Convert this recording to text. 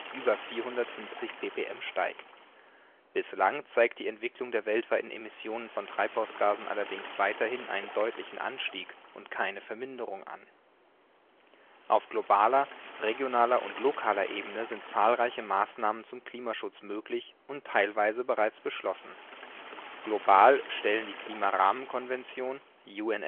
über 450 ppm steigt. Bislang zeigt die Entwicklung der weltweiten Emissionen von Treibausgasen allerdings weiterhin einen deutlichen Anstieg und keine Verminderung an. Datei:Windkraftanlagen Dänemark.jpg Windenergieanlagen wie hier an der dänischen Küste gelten als ein wesentlicher Teil des Klimaschutzes mittels erneuerbarer Energien. Auf globaler, regionaler und lokaler Ebene sind zahlreiche Maßnahmen zum Klimaschutz möglich und teilweise bereits beschlossen. Global stellen die Klimarahmenkonvention (UNFCCC) der Vereinten Nationen